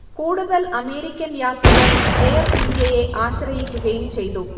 കൂടുതൽ അമേരിക്കൻ യാത്രികർ എയർഇന്ത്യയെ ആശ്രയിക്കുകയും ചെയ്തു